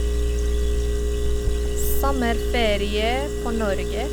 Sommerferie på Norge.